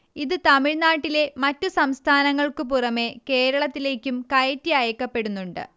ഇത് തമിഴ്നാട്ടിലെ മറ്റു സംസ്ഥാനങ്ങൾക്കു പുറമേ കേരളത്തിലേക്കും കയറ്റി അയക്കപ്പെടുന്നുണ്ട്